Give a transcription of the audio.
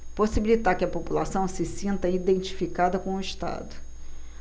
possibilitar que a população se sinta identificada com o estado